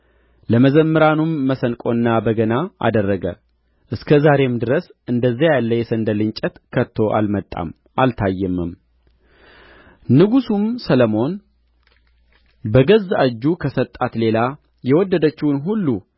ለመዘምራኑም መሰንቆና በገና አደረገ እስከ ዛሬም ድረስ እንደዚያ ያለ የሰንደል እንጨት ከቶ አልመጣም አልታየምም ንጉሡም ሰሎሞን በገዛ እጁ ከሰጣት ሌላ የወደደችውን ሁሉ